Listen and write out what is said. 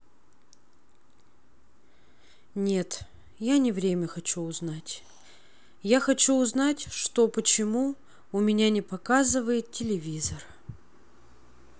нет я не время хочу узнать я хочу узнать что почему у меня не показывает телевизор